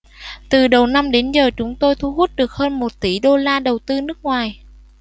từ đầu năm đến giờ chúng tôi thu hút được hơn một tỉ đô la đầu tư nước ngoài